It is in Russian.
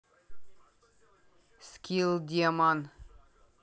скилл демон